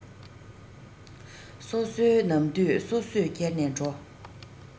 སོ སོའི ནམ དུས སོ སོས བསྐྱལ ནས འགྲོ